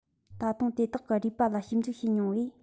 ད དུང དེ དག གི རུས པ ལ ཞིབ འཇུག བྱེད མྱོང བས